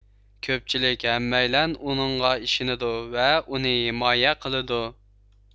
كۆپچىلىك ھەممەيلەن ئۇنىڭغا ئىشىنىدۇ ۋە ئۇنى ھىمايە قىلىدۇ